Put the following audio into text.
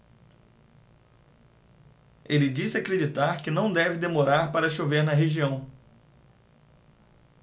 ele disse acreditar que não deve demorar para chover na região